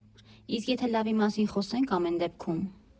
Իսկ եթե լավի մասին խոսե՞նք ամեն դեպքում։